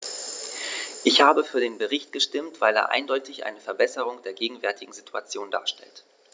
Ich habe für den Bericht gestimmt, weil er eindeutig eine Verbesserung der gegenwärtigen Situation darstellt.